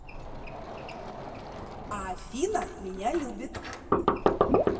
а афина меня любит